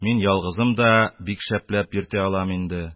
Мин ялгызым да бик шәп йөртә алам инде.